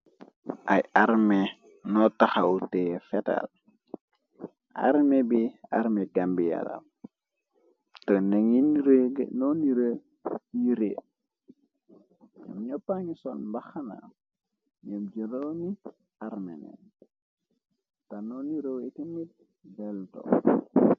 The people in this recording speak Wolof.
Ay armé nyu taxaw nee tiye feteel armé bi armé Gambia la tex nungi nduru yu nduru yeree nyempa ngi sol mbaxana nyum juroomi arme arme te nyu nduru yi tamit belta.